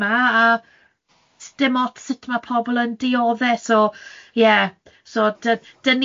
'ma, a s- dim ots sut ma' pobl yn diodde', so ie, so d- 'dan